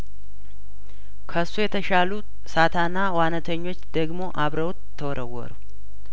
ከሱ የተሻሉ ሳታና ዋናተኞች ደግሞ አብረውት ተወረወሩ